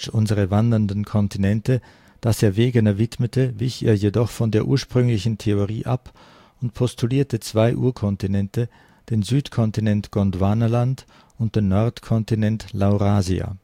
Unsere wandernden Kontinente), das er Wegener widmete, wich er jedoch von der ursprünglichen Theorie ab und postulierte zwei Urkontinente, den Südkontinent Gondwanaland und den Nordkontinent Laurasia